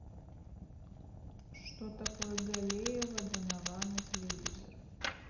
что такое галеева донована телевизор